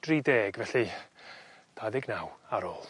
dri deg felly dau ddeg naw ar ôl.